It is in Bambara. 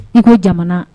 I ko jamana